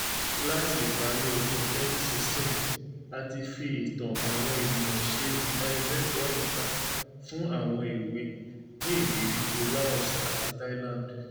Láti ìparí ọdún 2016, a ti fi ìtàn àwọn ènìyàn ṣe ìdánilẹ́kọ̀ọ́ àyíká fún àwọn èwe ní ìgbèríko Laos àti Thailand.